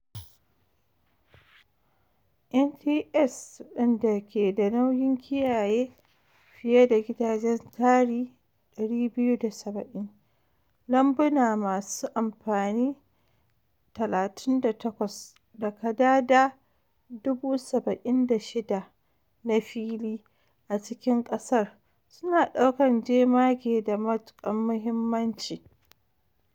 NTS, waɗanda ke da nauyin kiyaye fiye da gidanjen tarii 270, lambuna masu amfani 38 da kadada 76,000 na fili a cikin kasar, su na daukan jemage da matukan mahimmanci.